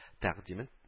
Тәкъдимен